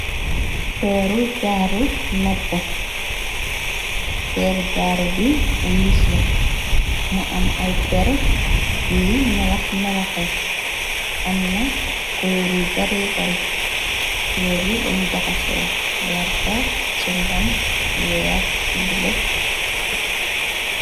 Peeru jaaru noppu peeru jaaru bi wiis la mu am ay peer yiy melax-melaxe am na clóur yu bare bari kulor yu dañ jaxasoo werta ci ngom weex bola.